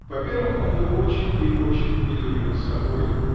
Во-первых, он был очень и очень недурен собою.